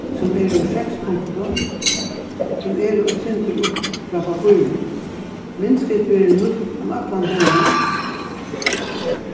sum er úr seks punktum sum eru eitt sindur upp frá pappírinum blindskrift verður nýtt um allan heimin